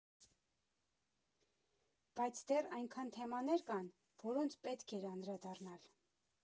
Բայց դեռ այնքան թեմաներ կան, որոնց պետք էր անդրադառնալ։